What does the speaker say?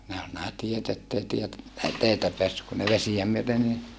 nämä oli nämä tiet että ei - ei teitä päässyt kun ne vesiä myöten niin